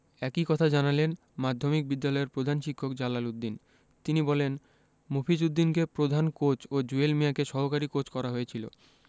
একই কথা জানালেন মাধ্যমিক বিদ্যালয়ের প্রধান শিক্ষক জালাল উদ্দিন তিনি বলেন মফিজ উদ্দিনকে প্রধান কোচ ও জুয়েল মিয়াকে সহকারী কোচ করা হয়েছিল